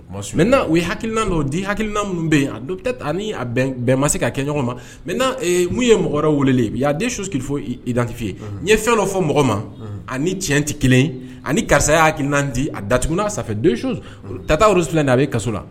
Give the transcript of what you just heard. N ye ha hakili dɔw di hakiina minnu bɛ bɛn ma se ka kɛ ɲɔgɔn ma mɛ mun ye mɔgɔ wɛrɛ wele bi'a su fɔ i danfi ye n ye fɛn dɔ fɔ mɔgɔ ma ani cɛn tɛ kelen ani karisa hakiina di a datuguna sanfɛ su tatarusi nin a bɛ kaso la